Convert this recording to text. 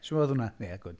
Shwt oedd hwnna? Ie gwd.